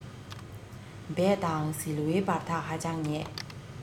བད དང ཟིལ བའི བར ཐག ཧ ཅང ཉེ